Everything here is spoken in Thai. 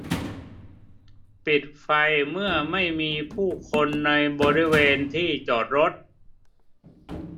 ปิดไฟเมื่อไม่มีผู้คนในบริเวณที่จอดรถ